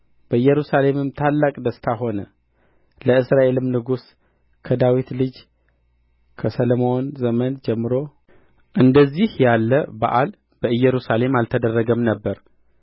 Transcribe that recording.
በኢየሩሳሌምም ታላቅ ደስታ ሆነ ከእስራኤል ንጉሥ ከዳዊት ልጅ ከሰሎሞን ዘመን ጀምሮ እንደዚህ ያለ በዓል በኢየሩሳሌም አልተደረገም ነበር